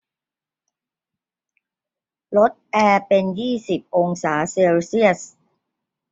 ลดแอร์เป็นยี่สิบองศาเซลเซียส